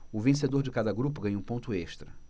o vencedor de cada grupo ganha um ponto extra